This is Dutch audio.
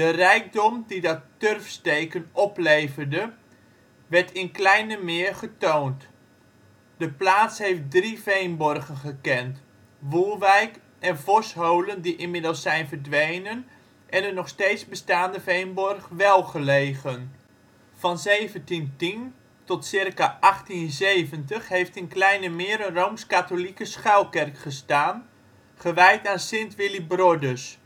rijkdom die dat turfsteken opleverde werd in Kleinemeer getoond. De plaats heeft drie veenborgen gekend: Woelwijk en Vosholen die inmiddels zijn verdwenen en de nog steeds bestaande veenborg Welgelegen. Van 1710 tot ca. 1870 heeft in Kleinemeer een rooms-katholieke schuilkerk gestaan, gewijd aan St. Willibrordus